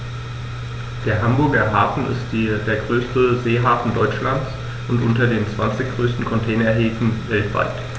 Der Hamburger Hafen ist der größte Seehafen Deutschlands und unter den zwanzig größten Containerhäfen weltweit.